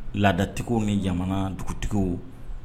Laadatigiw ni jamana dugutigiw